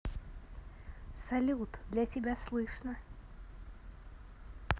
салют для тебя слышно